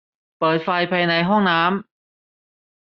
เปิดไฟภายในห้องน้ำ